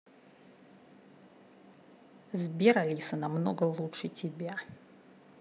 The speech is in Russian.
сбер алиса намного лучше тебя